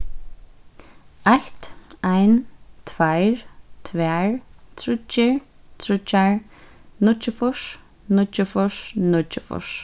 eitt ein tveir tvær tríggir tríggjar níggjuogfýrs níggjuogfýrs níggjuogfýrs